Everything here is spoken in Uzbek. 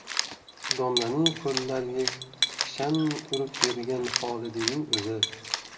domlaning qo'llariga kishan urib bergan xolidiyning o'zi